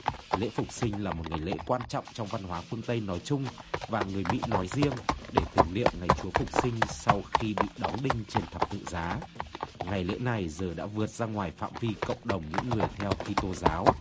lễ phục sinh là một ngày lễ quan trọng trong văn hóa phương tây nói chung và người mỹ nói riêng để tưởng niệm ngày chúa phục sinh sau khi bị đóng đinh trên thập tự giá ngày lễ này giờ đã vượt ra ngoài phạm vi cộng đồng những người theo ki tô giáo